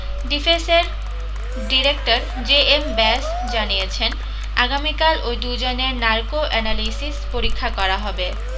ডিফেসের director J M ব্যস জানিয়েছেন আগামীকাল ওই দু জনের নারকো অ্যানালিসিস পরীক্ষা করা হবে